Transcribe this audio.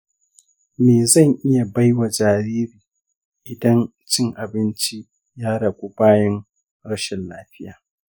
me zan iya bai wa jariri idan cin abinci ya ragu bayan rashin lafiya?